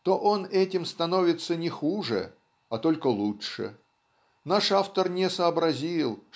то он этим становится не хуже а только лучше наш автор не сообразил